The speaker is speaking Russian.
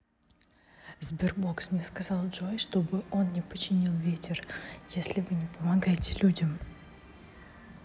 sberbox мне сказал джой чтобы он не починил ветер если вы не помогаете людям